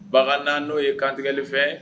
Bagan na no ye kantigɛli fɛn ye.